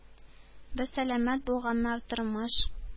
Без, сәламәт булганнар, тормыш